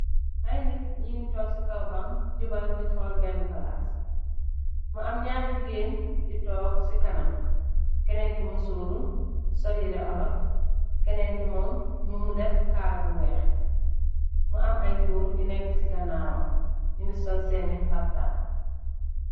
Ay nit ñu ngi toog ci kawbaŋg jubal di hool benn palas. Mu am ñaari jigéen yu toog ci kanam keneen ki musooru sol yireh olloof, kenneen ki moo mu def kaala bu weeh. mu am ay góor yu nekk ci gannaawam ñu ngi sol seeni haftaam.